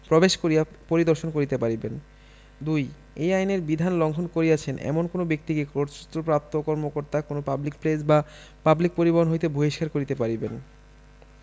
প্রবেশ করিয়া পরিদর্শন করিতে পারিবেন ২ এই আইনের বিধান লংঘন করিয়অছেন এমন কোন ব্যক্তিকে কর্তৃত্বপ্রাপ্ত কর্মকর্তঅ কোন পাবলিক প্লেস বা পাবলিক পরিবহণ হইতে বহিষ্কার করিতে পারিবেন